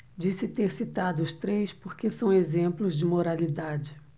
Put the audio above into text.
disse ter citado os três porque são exemplos de moralidade